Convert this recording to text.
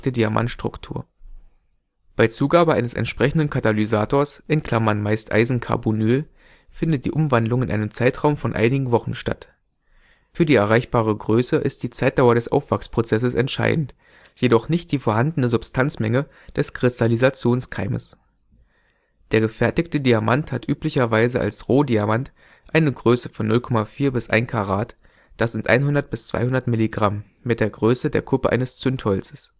Diamantstruktur. Bei Zugabe eines entsprechenden Katalysators (meist Eisencarbonyl) findet die Umwandlung in einem Zeitraum von einigen Wochen statt. Für die erreichbare Größe ist die Zeitdauer des Aufwachsprozesses entscheidend, jdoch nicht die vorhandene Substanzmenge des Kristallisationskeimes. Natürlicher Diamant aus dem Kongo Der gefertigte Diamant hat üblicherweise als Rohdiamant eine Größe von 0,4 bis 1 Karat, das sind 100 bis 200 Milligramm mit der Größe der Kuppe eines Zündholzes